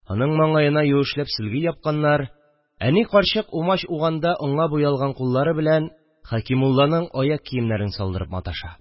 Аның маңгаена юешләп сөлге япканнар, әни карчык умач уганда онга буялган куллары белән Хәкимулланың аяк киемнәрен салдырып маташа